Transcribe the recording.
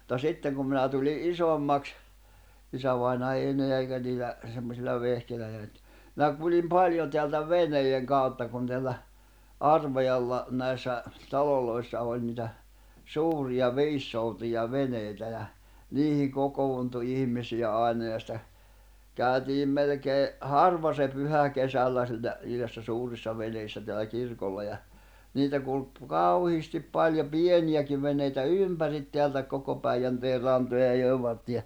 mutta sitten kun minä tulin isommaksi isävainaja ei enää eikä niillä semmoisilla vehkeillä enää nyt minä kuljin paljon täältä veneiden kautta kun täällä Arvajalla näissä taloissa oli niitä suuria viisisoutuja veneitä ja niihin kokoontui ihmisiä aina ja sitä käytiin melkein harva se pyhä kesällä siinä niin näissä suurissa veneissä täällä kirkolla ja niitä kulki kauheasti paljon pieniäkin veneitä ympäri täältä koko Päijänteen rantoja ja joen vartta